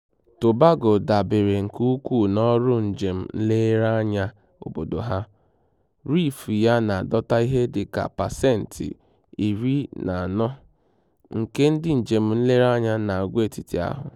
Tobago dabere nke ukwuu n'ọrụ njem nlereanya anya obodo ha; Reef ya na-adọta ihe dị ka pasenti 40 nke ndị njem nlereanya n'àgwàetiti ahụ.